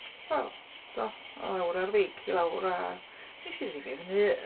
Wel do, lawr ar feic... i lawr... a wnes i ddreifio i fyny yy...